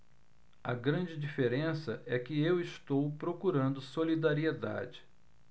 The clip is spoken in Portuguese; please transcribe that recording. a grande diferença é que eu estou procurando solidariedade